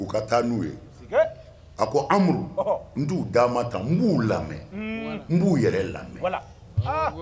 U'u ka taa n'u ye a ko amadu n t'u' ma ta n b'u lamɛn n b'u yɛrɛ lamɛn